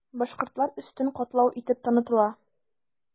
Башкортлар өстен катлау итеп танытыла.